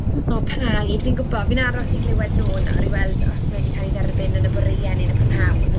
O paid, fi'n gwybod. Fi'n aros i glywed nôl nawr i weld os mae e 'di cael ei dderbyn yn y boreau neu yn y prynhawn.